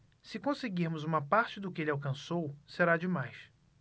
se conseguirmos uma parte do que ele alcançou será demais